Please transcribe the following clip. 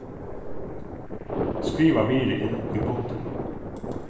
skriva virðið inn í puntin